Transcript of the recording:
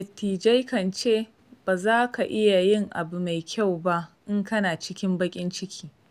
Dattijai kan ce, ba za ka iya yin abin mai kyau ba in kana cikin baƙin ciki.